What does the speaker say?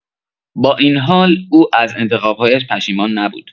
با این حال، او از انتخاب‌هایش پشیمان نبود.